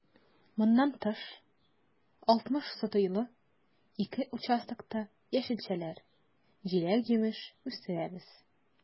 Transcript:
Моннан тыш, 60 сотыйлы ике участокта яшелчәләр, җиләк-җимеш үстерәбез.